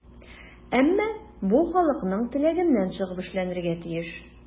Әмма бу халыкның теләгеннән чыгып эшләнергә тиеш.